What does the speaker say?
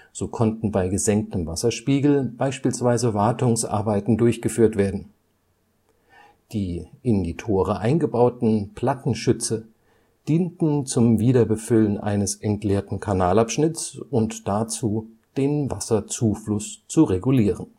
So konnten bei gesenktem Wasserspiegel beispielsweise Wartungsarbeiten durchgeführt werden. Die in die Tore eingebauten Plattenschütze dienten zum Wiederbefüllen eines entleerten Kanalabschnitts und dazu, den Wasserzufluss zu regulieren